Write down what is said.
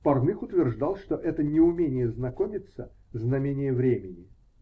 Парных утверждал, что это неумение знакомиться -- знамение времени.